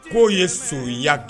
Kow ye sonya